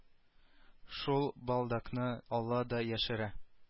Шул балдакны ала да яшерә